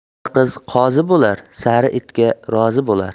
qari qiz qozi bolar sari itga rozi bo'lar